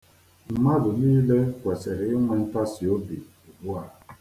Mmadụ niile kwesịrị ịnwe ntasiobi ugbu a.